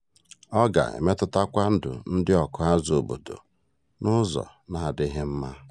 Ọ ga-emetụtakwa ndụ ndị ọkụazụ obodo n'ụzọ n'adịghị mma.